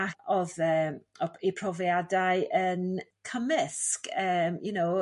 ac o'dd eem eu profiadau yn cymysg emm you know